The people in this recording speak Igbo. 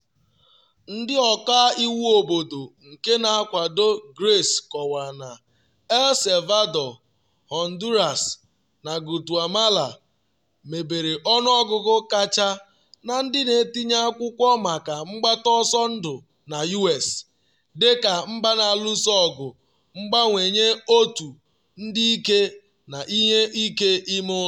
Ndị ọka iwu obodo nke na-akwado Grace kọwara na El Salvador, Honduras na Guatemala, mebere ọnụọgụ kacha na ndị na-etinye akwụkwọ maka mgbata ọsọ ndụ na U.S, dịka mba na-alụso ọgụ mbawanye otu ndị ike na ihe ike ime ụlọ.